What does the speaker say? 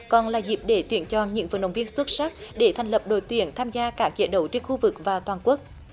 còn là dịp để tuyển chọn những vận động viên xuất sắc để thành lập đội tuyển tham gia các giải đấu trên khu vực và toàn quốc